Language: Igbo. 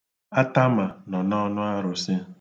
Atama nọ n'ọnụ arụsị.